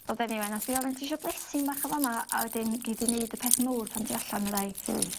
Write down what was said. ond eniwe nath 'i ofyn tisio blessing bach yn fa' 'ma a wedyn gei di neud y peth mowr pan ti allan medda 'i. Hmm.